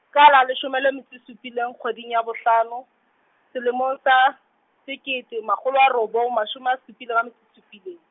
ka la leshome le metso e supileng kgweding ya bohlano, selemong sa, sekete makgolo a robong mashome a supileng a supileng.